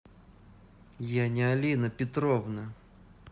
я не алина петровна